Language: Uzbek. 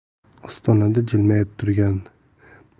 ostonada jilmayib turgan